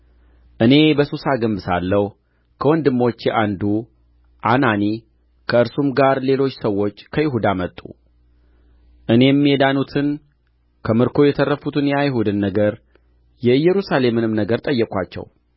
እኔ በሱሳ ግንብ ሳለሁ ከወንድሞቼ አንዱ አናኒ ከእርሱም ጋር ሌሎች ሰዎች ከይሁዳ መጡ እኔም የዳኑትን ከምርኮ የተረፉትን የአይሁድን ነገር የኢየሩሳሌምንም ነገር ጠየቅኋቸው